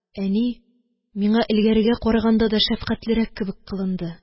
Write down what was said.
Әни миңа элгәрегә караганда да шәфкатьлерәк кебек кылынды.